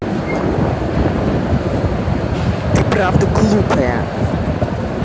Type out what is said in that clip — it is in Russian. ты правда глупая